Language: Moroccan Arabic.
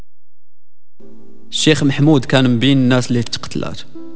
الشيخ محمود كان بيننا